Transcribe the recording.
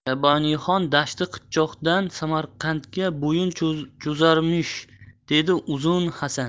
shayboniyxon dashti qipchoqdan samarqandga bo'yin cho'zarmish dedi uzun hasan